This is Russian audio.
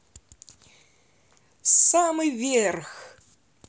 самый вверх